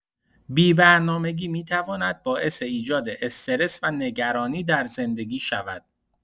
بی‌برنامگی می‌تواند باعث ایجاد استرس و نگرانی در زندگی شود.